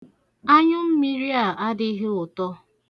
Anyụmmiri a adịghị ụtọ.